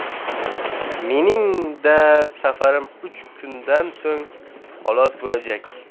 mening da safarim uch kundan so'ng xalos bo'lajak